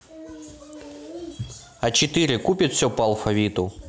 а четыре купит все по алфавиту